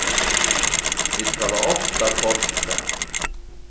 vit spæla ofta kort saman